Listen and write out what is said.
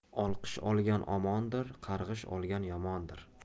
olqish olgan omondir qarg'ish olgan yomondir